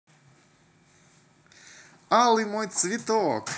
алый мой цветок